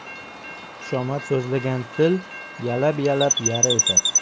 xushomad so'zlagan til yalab yalab yara etar